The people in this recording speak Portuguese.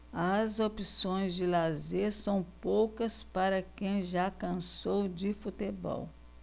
as opções de lazer são poucas para quem já cansou de futebol